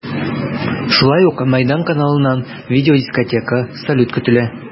Шулай ук “Мәйдан” каналыннан видеодискотека, салют көтелә.